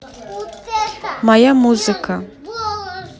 моя музыка